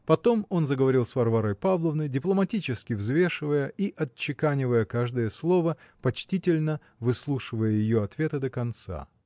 потом он заговорил с Варварой Павловной, дипломатически взвешивая и отчеканивая каждое слово, почтительно выслушивая ее ответы до конца.